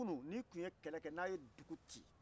kunu n'i tun kɛlɛkɛ n'aw ye dugu ci